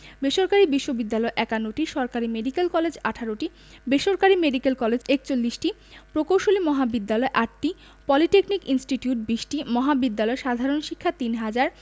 বেসরকারি বিশ্ববিদ্যালয় ৫১টি সরকারি মেডিকেল কলেজ ১৮টি বেসরকারি মেডিকেল কলেজ ৪১টি প্রকৌশলী মহাবিদ্যালয় ৮টি পলিটেকনিক ইনস্টিটিউট ২০টি মহাবিদ্যালয় সাধারণ শিক্ষা ৩হাজার